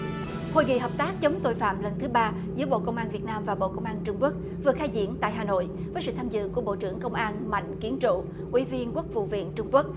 hội nghị hợp tác chống tội phạm lần thứ ba giữa bộ công an việt nam và bộ công an trung quốc vừa khai diễn tại hà nội với sự tham dự của bộ trưởng công an mạnh kiến trụ ủy viên quốc vụ viện trung quốc